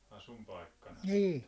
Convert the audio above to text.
asuinpaikkana sitten